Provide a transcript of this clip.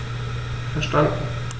Verstanden.